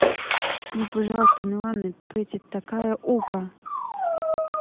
ну пожалуйста милана petit такая ука